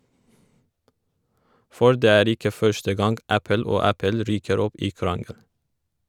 For det er ikke første gang Apple og Apple ryker opp i krangel.